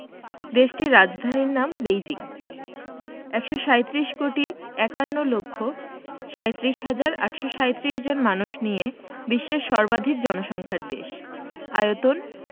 দেশটির রাজধানীর নাম বেইজিং ১৩৭ কোটি ৫১ লক্ষ ৩৭ হাজার ৮৩৭ জন মানুষ নিয়ে বিশ্বের সর্বাধিক জনসংখ্যার দেশ আয়তন